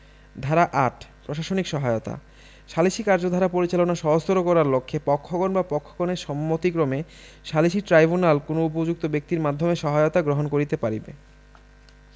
ধারা ৮ প্রশাসনিক সহায়তাঃ সালিসী কার্যধারা পরিচালনা সহজতর করার লক্ষ্যে পক্ষগণ বা পক্ষগণের সম্মতিক্রমে সালিসী ট্রাইব্যুনাল কোন উপযুক্ত ব্যক্তির মাধ্যমে সহায়তা গ্রহণ করিতে পারিবে